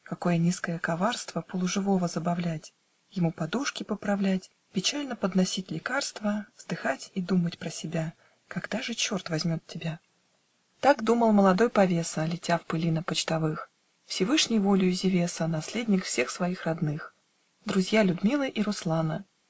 Какое низкое коварство Полуживого забавлять, Ему подушки поправлять, Печально подносить лекарство, Вздыхать и думать про себя: Когда же черт возьмет тебя!" Так думал молодой повеса, Летя в пыли на почтовых, Всевышней волею Зевеса Наследник всех своих родных. Друзья Людмилы и Руслана!